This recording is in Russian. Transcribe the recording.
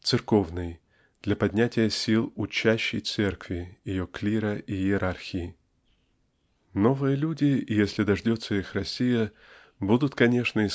церковной -- для поднятия сил учащей церкви ее клира и иерархии. Новые люди если дождется их Россия будут конечно